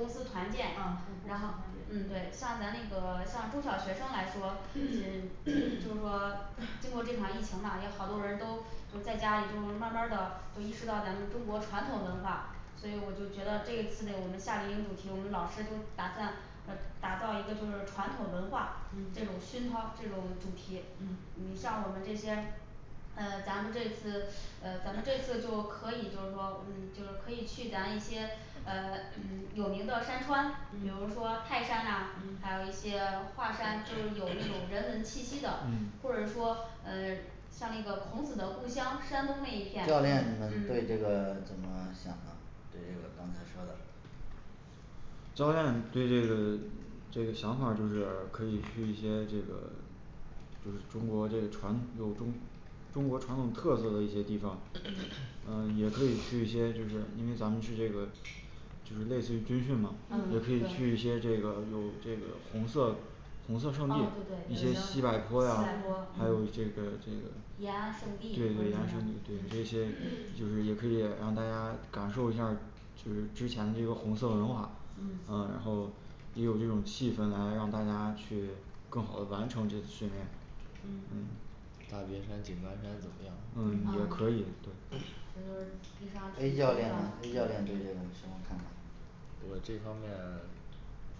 啊有公司团建嗯所以我就觉得这一次的我们夏令营主题我们老师就打算嗯打造一个就是传统文化，这种嗯熏陶这种主题。嗯你像我们这些嗯嗯嗯或者说嗯 像那个孔子的故乡山东那一片教练你们嗯对这个嗯有什么想法对这个刚才说的教练对这个这个想法儿就是可以去一些这个，就是中国这个传有中中国传统特色的一些地方，嗯也可以去一些就是因为咱们去这个就是类似于军训嘛，也嗯可以去一对些这个有这个红色红哦色圣地对西对西西柏柏嗯坡坡呀还有这嗯个这个延对安圣地和对什么嗯对这些就是呢也是也让大家感受一下儿就是之前那个红色文化啊嗯然后也有这种气氛来让大家去更好的完成这次训练。嗯大别山、井冈山怎么样嗯也可啊嗯以这都是历史上提出的我这方面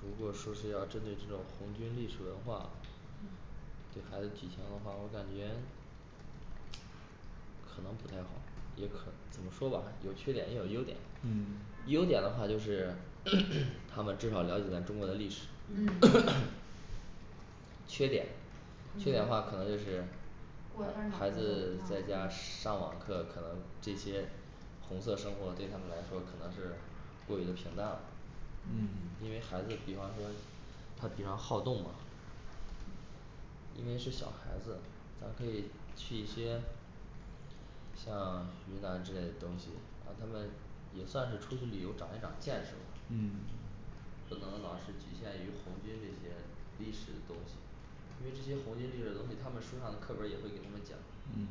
如果说是要针对这种红军历史文化嗯就它的体现的话我感觉可能不太好，也可怎么说吧有缺点也有优点。优嗯点的话，就是 他们至少了解了中国的历史嗯嗯 缺点缺点的话可嗯能就是过一下儿脑孩子子就会在忘家了嗯上网课可能这些红色生活对他们来说可能是过于的平淡因为嗯孩嗯子比方说他比较好动嘛因为是小孩子，咱可以去一些像云南之类的东西，让他们也算是出去旅游长一长见识嗯不能老是局限于红军这些历史东西，因为这些红军这些东西，他们书上课本儿也会给他们讲嗯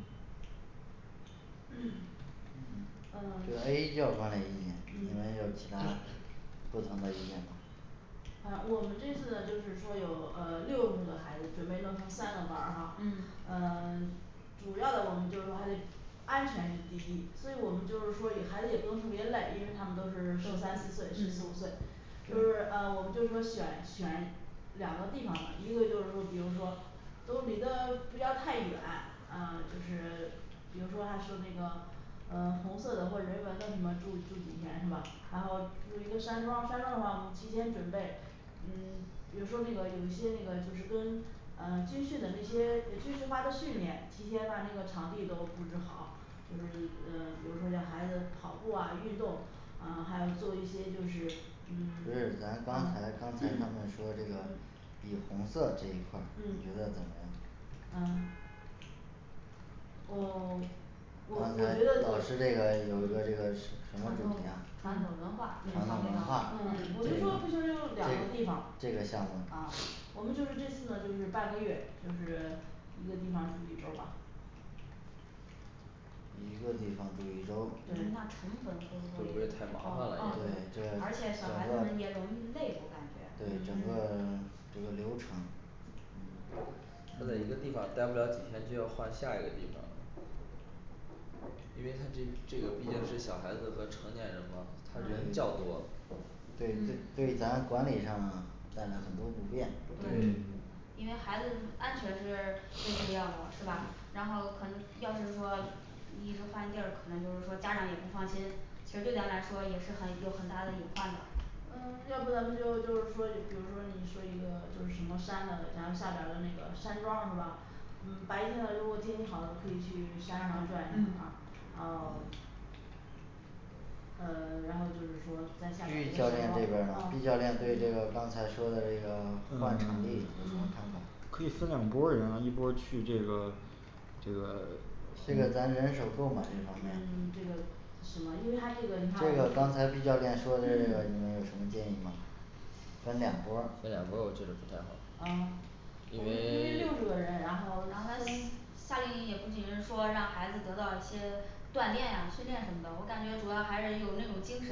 这A教呃官嘞意见你们有嗯其他不同的意见吗嗯嗯就是呃我们就是说选选两个地方吧，一个就是说比如说都离得不要太远啊就是比如说啊说那个嗯，红色的或人文的什么的住住几天是吧，然后住一个山庄山庄的话我们提前准备嗯 比如说那个有一些那个就是跟呃军训的那些军事化的训练，提前把那个场地都布置好就是呃比如说让孩子跑步啊运动，嗯还有做一些就是就是嗯咱刚才刚才他啊们说这个嗯以红色这一块儿你觉嗯得怎么样嗯呃 我还是我老师这觉个有得说这个嗯是传传统统的嗯，嗯，嗯，我传传统统文文化化方面的嗯们说不行用两个对地方这个项目，啊，我们就是这次呢就是半个月就是一个地方住一周吧一个地方住一周，对这整那成对本会会不不会会个太啊麻烦了对一点儿，而且小孩子们也容易累我感对觉整个嗯这个流程嗯他在一个地方儿呆不了几天就要换下一个地方儿，因为他这这个毕竟是小孩子和成年人嘛，他人较嗯多对对对咱管理上带来很多不便对嗯，因为孩子安全是最重要的是吧然后可能要是说一直换地儿，可能就是说家长也不放心其实对咱来说也是很有很大的隐患的嗯，要不然就就是说比如说你说一个就是什么山的咱下边儿的那个山庄儿是吧嗯呃然后就是说再下点儿 B 教练这边儿呢呃 B教练对这个嗯刚才说的这个 换场地有什么看嗯法可以分两拨儿人啊一拨儿去这个这这个 个咱们人手儿够吗？这方面嗯 这个什么因为它这个你看这个刚才B教练说的这个你们有什么建议吗分两拨儿分两拨儿我觉得不太好嗯 我因们分为六个人然然 后后来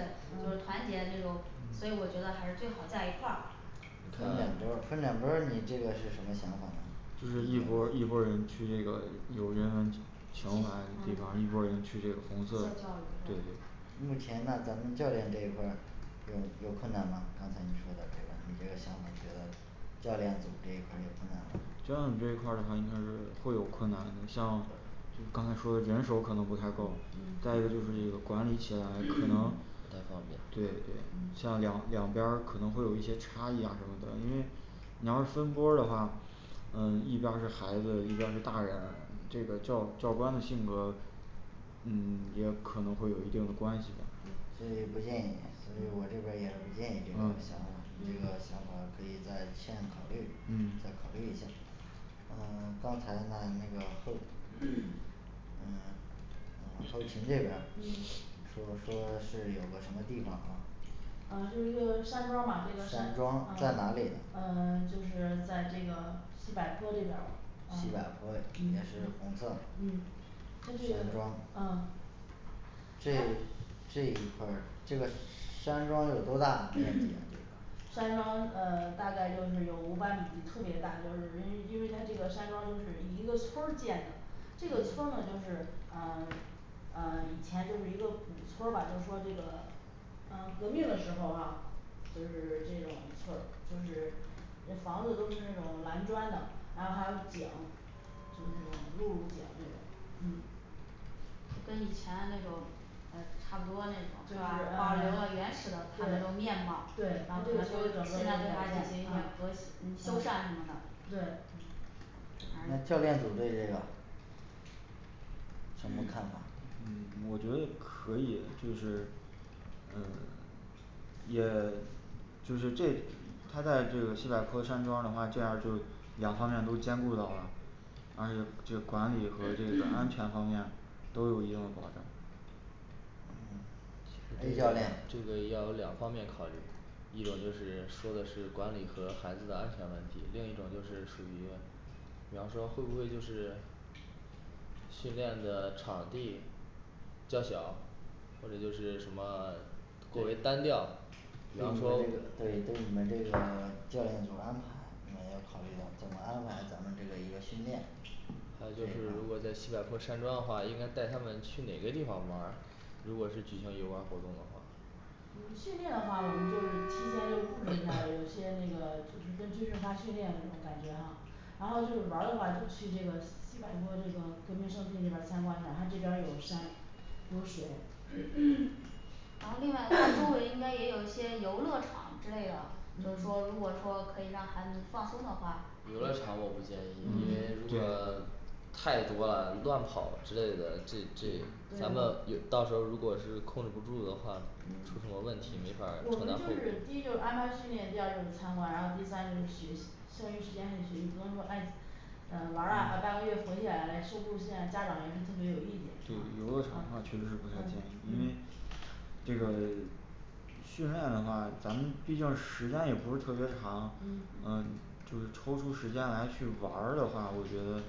嗯分两拨儿啊分两拨儿你这个是什么想法呢就是一拨儿一拨儿人去那个有人文嗯红色情怀地方一拨儿人去这个红色的教，育是对吧目前那咱们教练这一块儿有有困难吗？刚才你说的这个你这个项目觉得教练组这一块儿有困难吗教练组这一块儿的话应该是会有困难，你像刚才说的人手儿可嗯能不太够，再一嗯个就是管理起来不太方便对对像嗯两两边儿可能会有一些差异呀什么的，因为你要是分拨儿的话，嗯一边儿是孩子，一边儿是大人，这个教教官的性格嗯 也可能会有一定的关系所以不建议我这边儿嗯也不建议这个小问题这个想嗯法儿可以再先考虑再考嗯虑一下儿嗯 刚才呢那个会嗯后勤这边儿嗯就是说是有个什么地方吗嗯就是一个山庄儿嘛这个山山，嗯庄，在哪里，嗯就是在这个西柏坡这边儿呃嗯嗯西柏坡嘞也是红色，嗯它这山个庄儿啊这这一块儿这个山庄儿有多大山庄呃大概就是有五百亩地特别大，就是因为因为它这个山庄就是以一个村儿建的。这个村儿呢就是啊 啊以前就是一个古村儿吧，就是说这个嗯革命的时候哈就是这种村儿就是那房子都是那种蓝砖的然后还有井就是那种露井那种嗯它跟以前那种嗯差不多那嗯嗯对对它这个就是整个一大片种是吧？保留了原始的它那种面貌，然后可能就是现在对它进行一些啊革嗯修缮什么啊对的那啊教练组对这个具体看法嗯我觉得可以就是嗯也 就是这它在这个西柏坡山庄儿的话，这样儿就两方面儿都兼顾到了。还有这个管理和这安全方面儿都有一定保证 A教练这个也要两方面考虑，一种就是说的是管理和孩子的安全问题，另一种就是属于比方说会不会就是训练的场地较小或者就是什么过于单调比方说那就是如果在西柏坡山庄的话，应该带他们去哪个地方玩儿。如果是举行游玩活动的话，嗯，训练的话，我们就提前就布置一下儿，有些那个就是跟军事化训练这种感觉哈然后就是玩儿的话就去这个西柏坡这种革命圣地那边儿参观一下儿，它这边儿有山有水 然后另外周围应该也有 一些游乐场之类的，就是说如果嗯说可以让孩子们放松的话游乐场我不建议因为如嗯果太多了乱跑之类的，这这咱们有到时候儿如果是控制不住的话，出什么问题没法儿咱们有到时候儿如果是控制不住的话，出什么问题没法儿剩余时间里学习不用说哎啊玩儿了啊半个月回去了，家长也是特别有意见啊，就游乐场的话确实嗯，不嗯太行，因为嗯这个 训练的话，咱们毕竟时间也不是特别长，嗯嗯嗯就是抽出时间来去玩儿的话，我觉得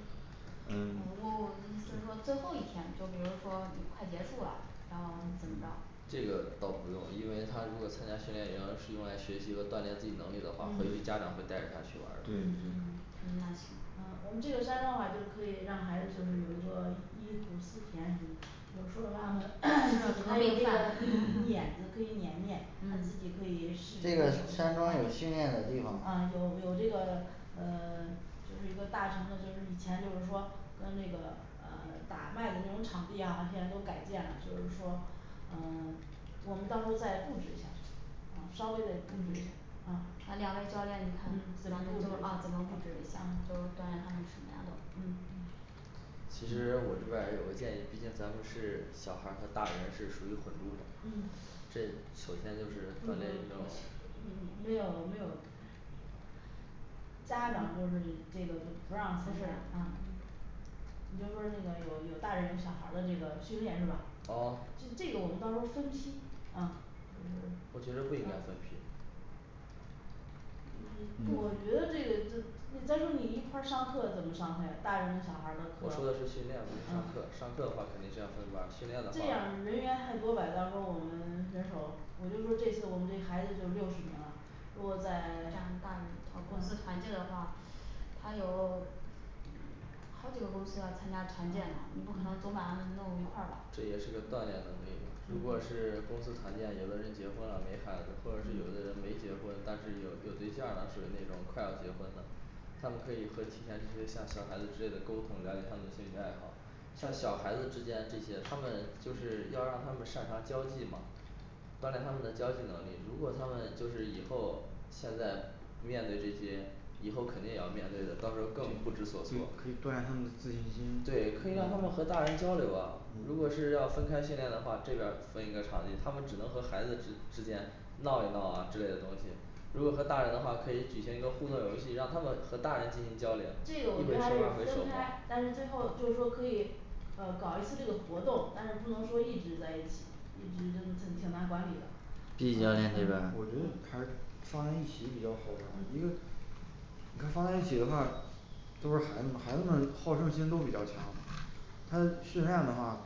呃我嗯我意思是说最后一天就比如说快结束了然后怎么着这个倒不用，因为他如果参加训练营是用来学习和锻炼自己能力的话，回去家嗯长会带着他去玩嗯儿嗯嗯那行嗯我们这个山庄的话就可以让孩子就是有一个忆忆苦思甜什么有时候儿让他们 这可个碾子可以 以碾面他自己嗯可以试着这个啊山庄有训练的地方吗有有这个嗯 就是一个大场的就是以前就是说跟那个呃 打麦的那种场地啊现在都改建了，就是说嗯 我们到时候再布置一下啊稍微嘞布置嗯嗯那怎两么位教练你们看咱们布啊怎么布置置一下，就是锻炼他们什么样的嗯嗯其实我这边儿也有个建议，毕竟咱们是小孩儿和大人是属于混住嗯的这首先就是之后嗯没有没有家长就是这个就不不让体是验嗯啊你就说那个有有大人有小孩儿的这个训练是吧啊这这个我们到时候儿分批嗯就我觉着是不应该分嗯批嗯我觉得这个就，再说你一块儿上课怎么上课呀大人跟小孩儿的课，我说的是训练不是嗯上，课，上课的话肯定是要分班儿训练的话这样人员太多呗，到时候我们人手我就说这次我们这孩子就六十名了如果这样在 嗯，大人啊公司团建的话，他有，嗯好几个公司要参加团建呢，你不可能嗯总把他们弄一块儿吧这也是个锻炼能力嘛，如果嗯是公司团建，有的人结婚了没孩子，或者是有的嗯人没结婚，但是有有对象了，属于那种快要结婚的他们可以会提前注意像小孩子之类的沟通，了解他们的兴趣爱好，像小孩子之间这些他们就是要让他们擅长交际嘛锻炼他们的交际能力，如果他们就是以后现在面对这些以后肯定也要面对的，到时候更不知对所措，可以锻炼他们自信心，对，可以让他们和大人交流啊，如果是嗯要分开训练的话，这边儿分一个场地，他们只能和孩子之之间闹一闹啊之类的东西如果说大人的话可以举行一个互动的游戏，让他们和大人进行交这流，个我觉得还是分开但是最后就是说可以呃搞一次这个活动，但是不能说一直在一起，一直这个是挺难管理的 B教练这边儿我觉得还是放一起比较好，因嗯为你看放在一起的话，都是孩子们孩子们好胜心都比较强他们训练的话，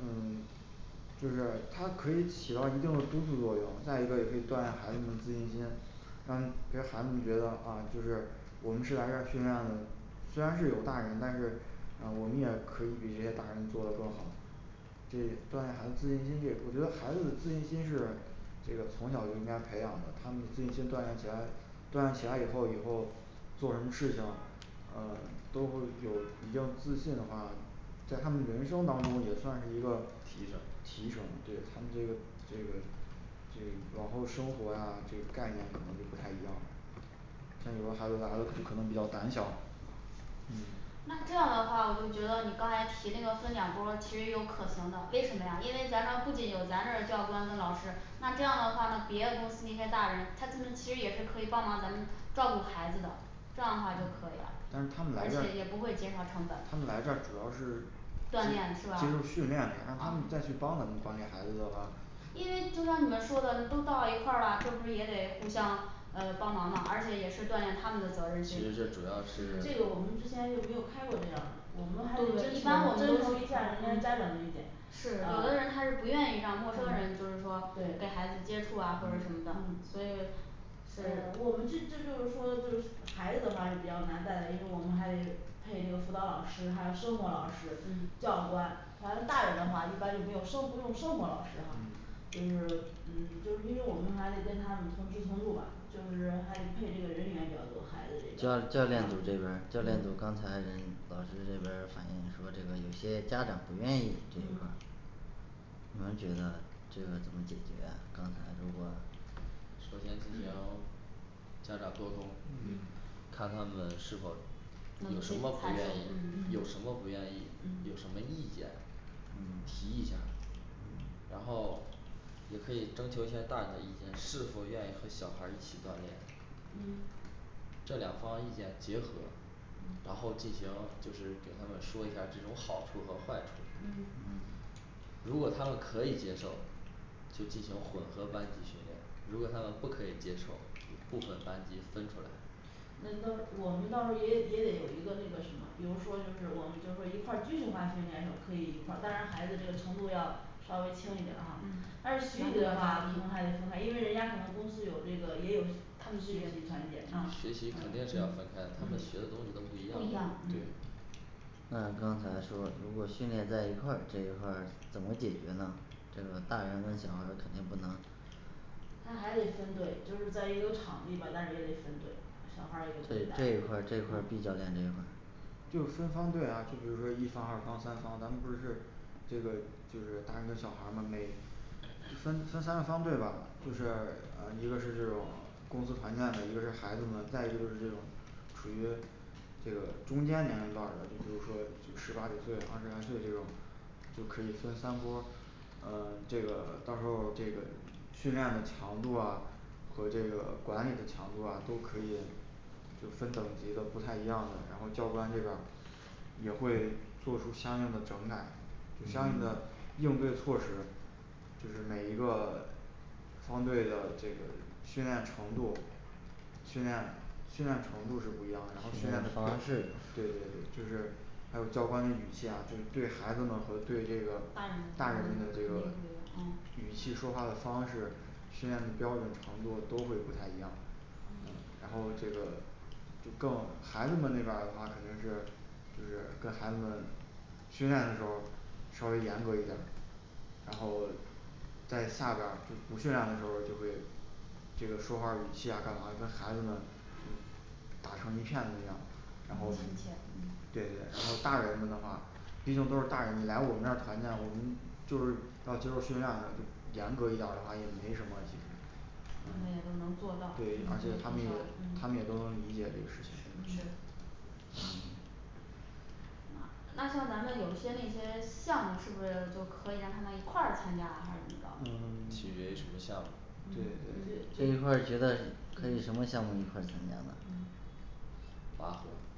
嗯 就是它可以起到一定的督促作用，再一个也可以锻炼孩子们的自信心，让这些孩子们觉得啊就是我们是来这儿训练的，虽然是有大人，但是嗯我们也可以比一些大人做的更好这锻炼孩子自信心这个，我觉得孩子的自信心是，这个从小就应该培养的，他们自信心锻炼起来，锻炼起来以后以后，做什么事情嗯都会有比较自信的话，在他们人生当中也算是一个，提提升升，对，他们这个这个对往后生活啊这个概念可能就不太一样了。这里头还有的还有可能比较胆小，嗯那这样的话我就觉得你刚才提那个分两拨儿其实有可行的，为什么呀？因为咱这儿不仅有咱这儿教官跟老师那这样的话，那别的公司那些大人他可能其实也是可以帮忙咱们照顾孩子的这样的话就可以但是他们了，来而这儿且也不会减少成本他们来这儿主要是，锻炼是吧？接受训练的让他们再去啊帮咱们管理孩子的话因为就像你们说的你都到一块儿了，这不是也得互相呃帮忙嘛而且也是锻炼他们的责任心，其实这主要是这个我们之前就没有开过这样的，我们还是对征一般求我们都征是求一下人家家长的意见是有的人啊他是不愿意嗯让陌生人就是说给对孩子接触啊或者什么的，所以嗯啊我们这是这就是说就是孩子的话是比较难带的，因为我们还得配这个辅导老师，还有生活老师嗯教官反正大人的话一般就没有生不用生活老师哈，就嗯是嗯就是因为我们还得跟他们同吃同住嘛就是还得配这个人员比较多，孩教子教这边练儿，组这边儿嗯教练组刚才嗯老师那边儿反映说这个有些家长不愿嗯意是吧你们觉得这个怎么解决啊，家长如果首先进行家长沟通嗯看他们呢是否有什么不愿意有什嗯么不愿意有什嗯么意见，提一下，然后也可以征求一下大人的意见，是否愿意和小孩儿一起锻炼嗯这两方意见结合，然嗯后进行就是给他们说一下儿这种好处和坏处嗯如果他们可以接受，就进行混合班级训练，如果他们不可以接受部分班级分出来，那到时候儿我们到时候儿也也得有一个那个什么，比如说就是我们就是说一块儿军事化训练时候可以一块儿，当然孩子这个程度要稍微轻一点儿哈嗯但是学习的话可能还得分开，因为人家可能公司有这个也有他们自学己习团建啊，嗯，学习肯定是要分开的嗯，，他嗯们学的东西都不不一一样样，嗯那刚才说如果训练在一块儿，这一块儿怎么解决呢？这个大人跟小孩儿肯定不能，他还得分队就是在一个场地吧但是也得分队，小孩儿一个对队，，大这人一一块儿，这一块儿B 个教练这一块嗯儿就分方队来比如说一方二方三方，咱们不是这个就是大人跟小孩儿嘛每分分三个方队吧，就是啊一个是这种公司团建的，一个是孩子们，再一个就是这种处于这个中间年龄段儿的，就是说几十二十岁二十来岁的这种，就可以分三拨儿，和这个管理的强度啊都可以就分等级的不太一样的，然后教官这边儿也会做出相应的整改，有相应的应对措施就是每一个方队的这个训练程度，训练，训练程度是不一样的训练方式。，对对对，就是还有教官的语气呀，就是对孩子们和对这大人们他们肯定个大人的不这一样个，语嗯气，说话的方式，训练的标准程度都会不太一样然后嗯这个就更孩子们那边儿的话肯定是就是跟孩子们训练的时候，稍微严格一点儿然后在下边儿就不训练的时候就会这个说话儿语气呀干嘛，跟孩子们打成一片的那样。说然后话亲切，对嗯还有大人们的话毕竟都是大人来我们这儿团建，我们就是要接受训练的，严格一点儿的话也没什么问题他们也都能做到，对，而且他们也嗯他们也都理解这个事情是是嗯那像咱们有些那些项目是不是就可以让他们一块儿参加还是怎么着？取嗯决于什么项目嗯对嗯对这这一块这儿觉得可以什对么项目一块儿参加呢？嗯拔河拔